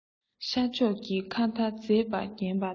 ཤར ཕྱོགས ཀྱི མཁའ མཐའ མཛེས པར བརྒྱན པ དང